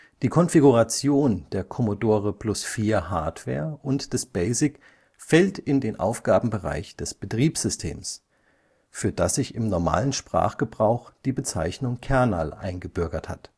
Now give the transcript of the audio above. Die Konfiguration der Commodore-Plus/4-Hardware und des BASIC fällt in den Aufgabenbereich des Betriebssystems, für das sich im normalen Sprachgebrauch die Bezeichnung Kernal eingebürgert hat